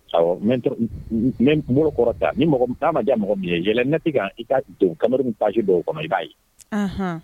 Ɔ n kɔrɔta ni mɔgɔ'a ma diya mɔgɔ b ye yɛlɛ n ne se i ka kamalenri min taasi dɔw o ma i b'a ye